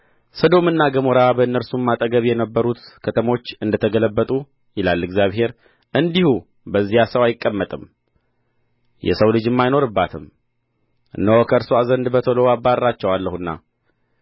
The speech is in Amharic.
ሰዶምና ገሞራ በእነርሱም አጠገብ የነበሩት ከተሞች እንደ ተገለበጡ ይላል እግዚአብሔር እንዲሁ በዚያ ሰው አይቀመጥም የሰው ልጅም አይኖርባትም እነሆ ከእርስዋ ዘንድ በቶሎ አባርራቸዋለሁና